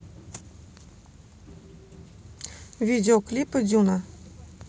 видео клипы дюна